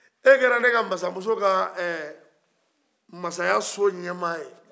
e kɛra ne ka masamuso ka ɛ masayaso ɲɛma ye